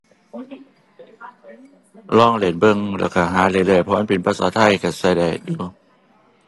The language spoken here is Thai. ลองเล่นเบิ่ง แล้วก็หาเรื่อยเรื่อย เพราะมันเป็นภาษาไทยก็ก็ได้อยู่เนาะ